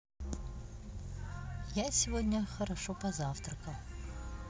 я сегодня хорошо позавтракал